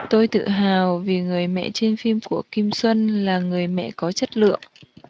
tôi tự hào vì người mẹ trên phim của kim xuân là người mẹ có chất lượng